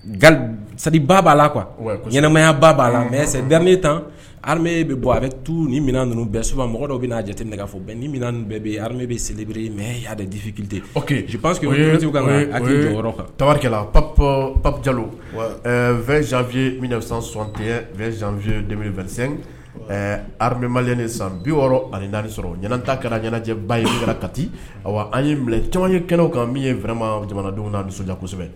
Saba b'a la ɲɛnɛmayaba b'a la mɛ tan bɛ bɔ a bɛ tu ni min ninnu bɛɛ suba mɔgɔ dɔw bɛ'a jate nɛgɛ fɔ bɛɛ ni minɛn bɛɛ bɛ bɛ selib mɛ ya de difikite si paseke ka kan tabarikɛla pap pap jalo vfiye sɔn tɛfiye v hama san bi wɔɔrɔ ani naani sɔrɔ ɲta kɛra ɲɛnajɛɛnɛba ye kɛra kati an ye caman ye kɛnɛw kan min ye fɛma jamanadenw nadiyasɛbɛ kosɛbɛ